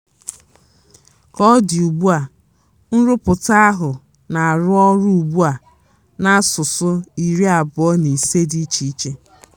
Ka ọ dị ugbu a, nrụpụta ahụ na-arụ ọrụ ugbu a n'asụsụ 25 dị iche iche.